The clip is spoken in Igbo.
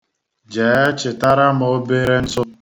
Jee chịtara m obere ntụ.